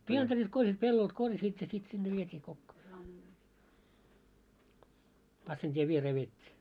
pientareelta korjasi pellolta korjasivat ja sitten sinne vietiin kokoon masiinatien viereen vedettiin